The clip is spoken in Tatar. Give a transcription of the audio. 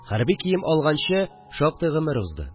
Хәрби кием алганчы шактый гомер узды